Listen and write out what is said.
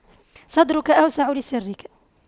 صدرك أوسع لسرك